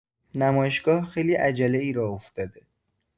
نمایشگاه خیلی عجله‌ای راه افتاده.